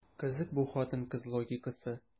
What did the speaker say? Кызык бу хатын-кыз логикасы.